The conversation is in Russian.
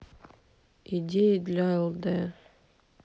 идеи для лд